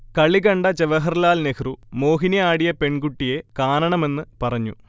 കളികണ്ട ജവഹർലാൽ നെഹ്രു, മോഹിനി ആടിയ പെൺകുട്ടിയെ കാണണമെന്ന് പറഞ്ഞു